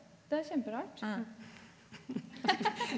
det er kjemperart .